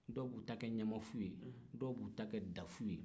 dɔw b'u ta kɛ ɲamafu ye dɔw b'u ta kɛ dafu ye